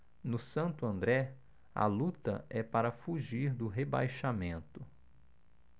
no santo andré a luta é para fugir do rebaixamento